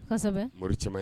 Kosɛbɛ mori caman